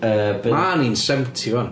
yy be-... Mae Arny yn seventy 'wan